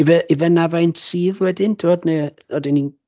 Ife ife 'na faint sydd wedyn timod neu odyn ni'n...